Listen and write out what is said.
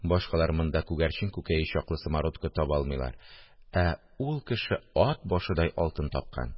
Башкалар монда күгәрчен күкәе чаклы самородкы таба алмыйлар, ә ул кеше «ат башыдай» алтын тапкан